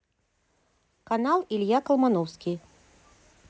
канал илья колмановский